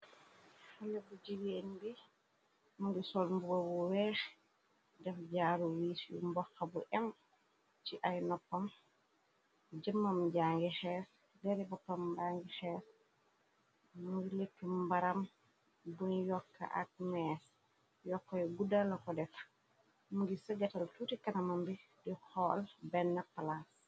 Lebbu jibeen bi, mungi sol mbuo bu weex, def jaaru wiis yu mboxxa bu em ci ay noppam, jëmam njangi xees, deri boppam nbangi xees, mngi likk mbaram buñu yokk ak mees, yokoy guddala ko defa, mungi sëgatal tuuti kanama mbi, di xall benn palaas.